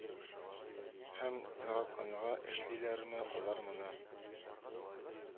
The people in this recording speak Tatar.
Һәм яратканга эшлиләрме алар моны